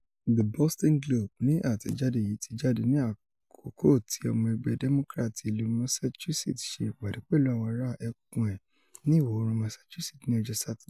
The Boston Globe ni àtẹ̀jáde yìí ti jáde ní àkókò tí ọmọ ẹgbẹ́ Democrat ti ìlú Massachusetts ṣe ìpàdé pẹ̀lú àwọn ará ẹkùn ẹ̀ ní iwọ̀-oòrùn Massachusetts ní ọjọ́ Sátidé.